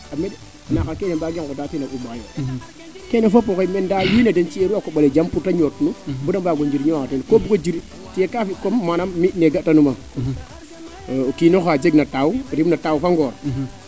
a meɗ naxa keene mbaage ngota teena umba yo keene fop oxey meen nda wiin we den xi eeru a koɓale jam pour te ñootnu bada mbaago njiñoxa teen ko bugo jiriñ mais ka fi comme manaam mi ne ga ta nuuma o kiinoxa jeg na taaw rimna taaw fa ngoor